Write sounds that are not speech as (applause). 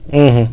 (hesitation) (hesitation)